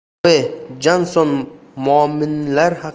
tove jansson moominlar